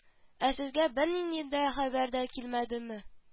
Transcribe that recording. Ә сезгә бернинди хәбәр дә килмәдеме